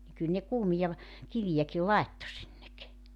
niin kyllä ne kuumia - kiviäkin laittoi sinne